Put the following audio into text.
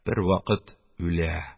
Бер вакыт үлә.